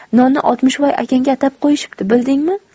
nonni oltmishvoy akangga atab qo'yishibdi bildingmi